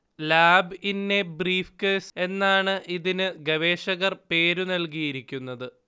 lab in a briefcase എന്നാണ് ഇതിനു ഗവേഷകർ പേര് നല്കിയിരിക്കുന്നത്